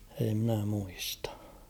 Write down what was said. ei minä muista